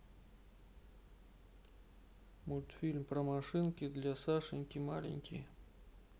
мультфильм про машинки для сашеньки маленький